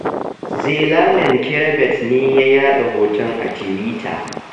Zelalem Kiberet ne ya yaɗa hoton a Tuwita.